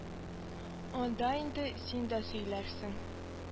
Анда инде син дә сөйләрсең